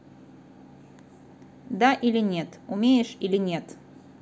да или нет умеешь или нет